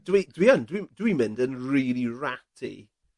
...dwi dwi yn dwi'n mynd yn rili ratty.